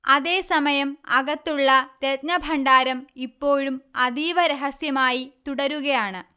അതേസമയം, അകത്തുള്ള രത്നഭണ്ഡാരം ഇപ്പോഴും അതീവ രഹസ്യമായി തുടരുകയാണ്